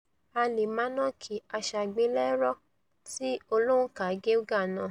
Álimánáàkì Aṣàgbélẹ̀rọ́ ti Olóǹka Geiger náà